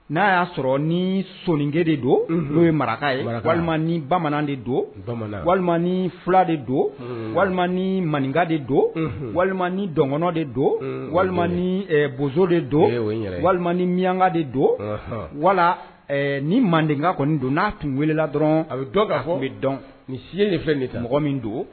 N'a y'a sɔrɔ ni sɔnonikɛ de do n'o ye maraka ye walima ni bamanan de don walima fila de don walima ni maninka de do walima ni dɔnɔn de do walima ni bozo de do walima ni miyanga de do wala ni manden kɔni don n'a tun wele dɔrɔn a bɛ dɔ' bɛ dɔn nin si ye fɛ mɔgɔ min don